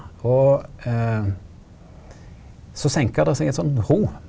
og så senka der seg ein sånn ro.